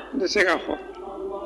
N tɛ se k' fɔ